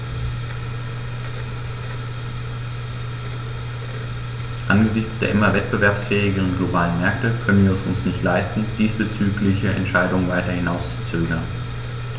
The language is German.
Angesichts der immer wettbewerbsfähigeren globalen Märkte können wir es uns nicht leisten, diesbezügliche Entscheidungen weiter hinauszuzögern.